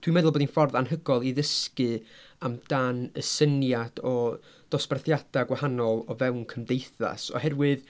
Dwi'n meddwl bod hi'n ffordd anhygoel i ddysgu amdan y syniad o dosbarthiadau gwahanol o fewn cymdeithas oherwydd...